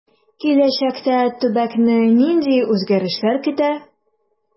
Киләчәктә төбәкне нинди үзгәрешләр көтә?